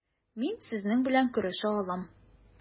Мин сезнең белән көрәшә алам.